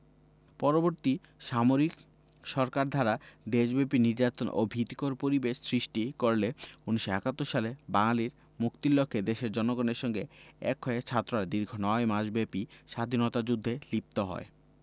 পরবর্তী সামরিক সরকার সারা দেশব্যাপী নির্যাতন ও ভীতিকর পরিবেশ সৃষ্টি করলে ১৯৭১ সালে বাঙালির মুক্তির লক্ষ্যে দেশের জনগণের সঙ্গে এক হয়ে ছাত্ররা দীর্ঘ নয় মাসব্যাপী স্বাধীনতা যুদ্ধে লিপ্ত হয়